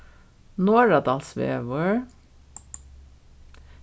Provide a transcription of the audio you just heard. norðradalsvegur